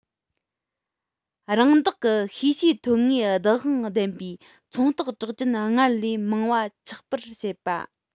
རང བདག གི ཤེས བྱའི ཐོན དངོས བདག དབང ལྡན པའི ཚོང རྟགས གྲགས ཅན སྔར ལས མང བ ཆགས པར བྱེད པ